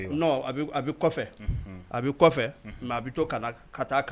E non a bɛ a bɛ kɔfɛ unhun; a bɛ kofɛ, unhun, mais a bɛ to kana, ka taa